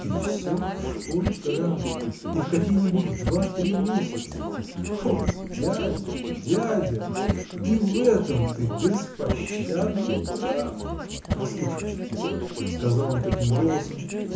и все в школе графа, и в какие-нибудь два, три месяца! О дядя, дядя! и в этом ты беспощадно прав! – Послушайте – сказал он таким голосом